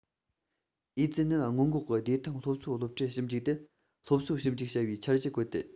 ཨེ ཙི ནད སྔོན འགོག གི བདེ ཐང སློབ གསོའི སློབ ཁྲིད ཞིབ འཇུག དེ སློབ གསོ ཞིབ འཇུག བྱ བའི འཆར གཞིར བཀོད དེ